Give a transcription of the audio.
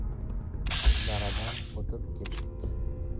daradan o'tib ketdik